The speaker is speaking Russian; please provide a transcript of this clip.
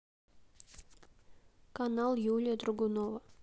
канал юлия драгунова